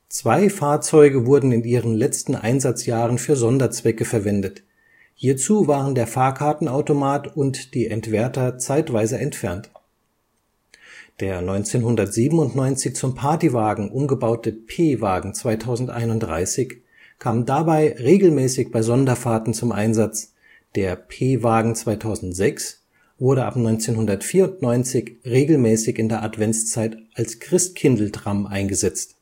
Zwei Fahrzeuge wurden in ihren letzten Einsatzjahren für Sonderzwecke verwendet, hierzu waren der Fahrkartenautomat und die Entwerter zeitweise entfernt. Der 1997 zum Partywagen umgebaute P-Wagen 2031 kam dabei regelmäßig bei Sonderfahrten zum Einsatz, der P-Wagen 2006 wurde ab 1994 regelmäßig in der Adventszeit als Christkindl-Tram eingesetzt